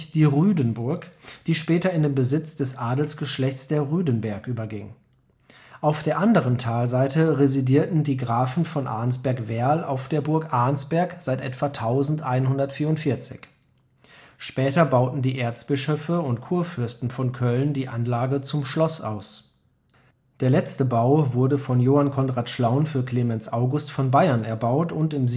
die Rüdenburg, die später in den Besitz des Adelsgeschlechts der Rüdenberg überging. Auf der anderen Talseite residierten die Grafen von Arnsberg-Werl auf der Burg Arnsberg seit etwa 1144. Später bauten die Erzbischöfe und Kurfürsten von Köln die Anlage zum Schloss aus. Der letzte Bau wurde von Johann Conrad Schlaun für Clemens August von Bayern erbaut und im